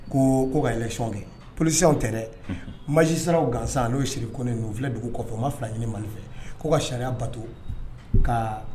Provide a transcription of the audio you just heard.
Ko ko kaɛlɛnc kɛ polisiw tɛ dɛ maji sera gansan n'o siri ko ninnu filɛ dugu kɔfɛ ma fila ɲini man fɛ ko ka sariya bato ka